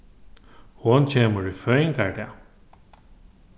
hon kemur í føðingardag